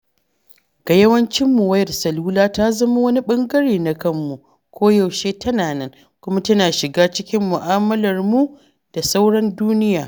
Ga yawancinmu, wayar salula ta zama wani ɓangare na kanmu – koyaushe tana nan, kuma tana shiga cikin mu’amalarmu da sauran duniya.